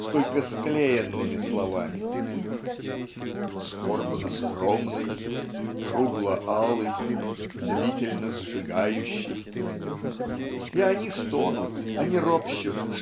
сколько склеенными словами ("скорбно-скромный" "кругло-алый" "длительно-сжигающий") и они стонут они ропщут